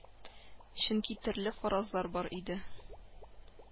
Чөнки төрле фаразлар бар иде